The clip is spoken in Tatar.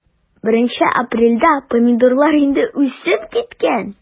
1 апрельдә помидорлар инде үсеп киткән.